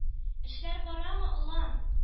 - эшләр барамы, олан? –